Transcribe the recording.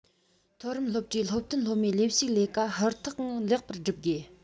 མཐོ རིམ སློབ གྲྭའི སློབ ཐོན སློབ མའི ལས ཞུགས ལས ཀ ཧུར ཐག ངང ལེགས པར བསྒྲུབ དགོས